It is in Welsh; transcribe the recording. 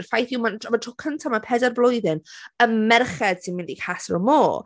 Y ffaith yw, ma... am y tr- am y tro cyntaf, mewn pedair blwyddyn y merched sy'n mynd i Casa Amor.